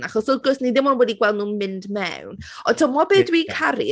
Achos wrth gwrs ni ddim ond wedi gweld nhw'n mynd mewn, ond tibod be dwi'n caru?